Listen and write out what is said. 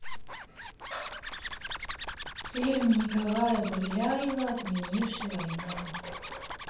фильм николая бурляева отменивший войну